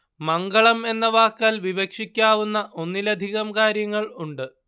മംഗളം എന്ന വാക്കാൽ വിവക്ഷിക്കാവുന്ന ഒന്നിലധികം കാര്യങ്ങളുണ്ട്